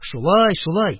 Шулай, шулай!